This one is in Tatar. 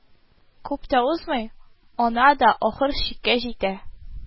Күп тә узмый, ана да ахыр чиккә җитә